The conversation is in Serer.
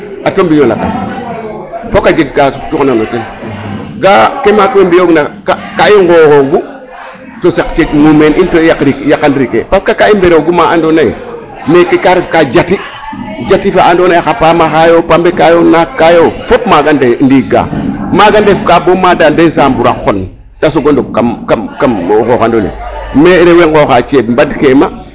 A reto mbiñ o lakas fook a jeg ka suptooxna teen ga'aa ke maak we mbi'oogina ka i nqooxoogu to saq muumeen in to i yaqrikee parce que ke i ɓerogu ma andnoona yee meke ka ref ka jati jati fa andoona yee xa paam axa yo, pambe ka yo, naak ka yo, fop magaa ndiigaa maaga ndefkaa bo maada ndefkaa bo mois de Décembre a xon to soog o ndok kam kam o xooxand ole me rew we nqooxaq ceeb mbadkee ma.